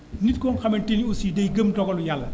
nit ku nga xamante ni aussi day gëm ndogalu yàlla